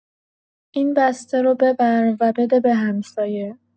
این بسته رو ببر و بده به همسایه